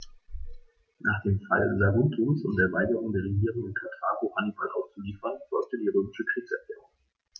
Nach dem Fall Saguntums und der Weigerung der Regierung in Karthago, Hannibal auszuliefern, folgte die römische Kriegserklärung.